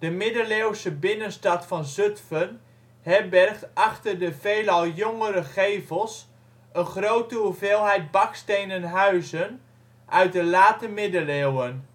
middeleeuwse binnenstad van Zutphen herbergt achter de veelal jongere gevels een grote hoeveelheid bakstenen huizen uit de late Middeleeuwen